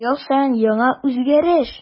Ел саен яңа үзгәреш.